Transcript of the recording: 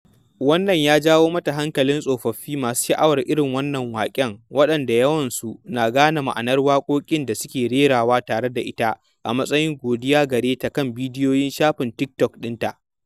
Wannan ya jawo mata hankalin tsofaffin masu sha’awar irin wannan waƙen, waɗanda da yawansu na gane ma’anar waƙoƙin da suke rerawa tare da ita a matsayin godiya gare ta kan bidiyoyin shafin TikTok ɗinta.